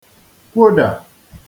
-kwodà